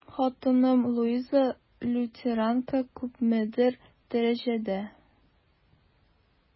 Хатыным Луиза, лютеранка, күпмедер дәрәҗәдә...